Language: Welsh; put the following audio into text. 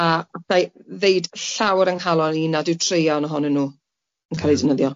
a alla i ddeud llaw ar 'y nghalon i nad yw traean ohonyn n'w yn ca'l 'u defnyddio.